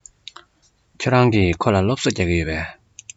ཁྱེད རང གིས ཁོ ལ སློབ གསོ རྒྱག གི ཡོད པས